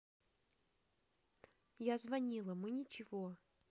я звонила мы ничего